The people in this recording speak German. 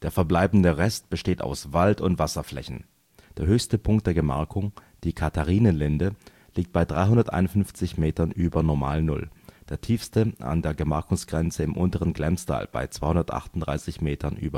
verbleibende Rest besteht aus Wald und Wasserflächen. Der höchste Punkt der Gemarkung, die Katharinenlinde, liegt bei 351 m ü. NN, der tiefste an der Gemarkungsgrenze im unteren Glemstal bei 238 m ü